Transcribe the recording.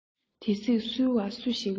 དེ བསྲེགས སོལ བ སུ ཞིག ལེན